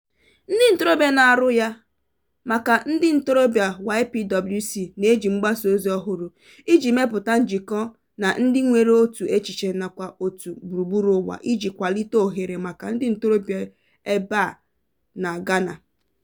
Ndị ntorobịa na-arụ ya, maka ndị ntorobịa, YPWC na-eji mgbasaozi ọhụrụ iji mepụta njikọ na ndị nwere otu echiche nakwa òtù gburugburu ụwa iji kwalite ohere maka ndị ntorobịa ebe a na Ghana.